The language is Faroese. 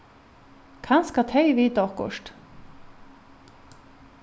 kanska tey vita okkurt